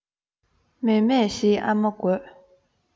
མཱེ མཱེ ཞེས ཨ མ དགོད